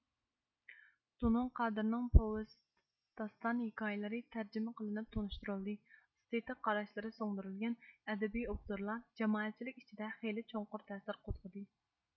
زۇنۇن قادىرنىڭ پوۋېست داستان ھېكايىلىرى تەرجىمە قىلىنىپ تونۇشتۇرۇلدى ئېستېتىك قاراشلىرى سېڭدۈرۈلگەن ئەدىبي ئوبزورلار جامائەتچىلىك ئىچىدە خېلى چوڭقۇر تەسىر قوزغىدى